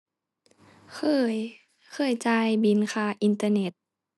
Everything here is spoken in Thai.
เคย เคยจ่ายบิลค่าอินเทอร์เน็ต